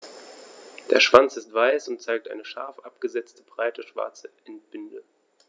Der Schwanz ist weiß und zeigt eine scharf abgesetzte, breite schwarze Endbinde.